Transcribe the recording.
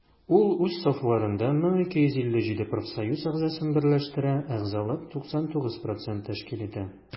Ул үз сафларында 1257 профсоюз әгъзасын берләштерә, әгъзалык 99 % тәшкил итә.